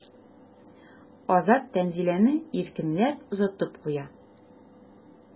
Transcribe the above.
Азат Тәнзиләне иркенләп озатып куя.